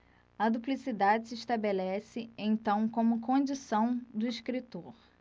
a duplicidade se estabelece então como condição do escritor